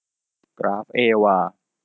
กราฟเอวา